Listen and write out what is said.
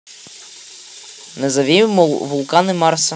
назови вулканы марса